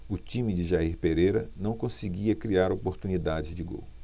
o time de jair pereira não conseguia criar oportunidades de gol